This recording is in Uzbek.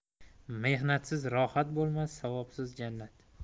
mehnatsiz rohat bo'lmas savobsiz jannat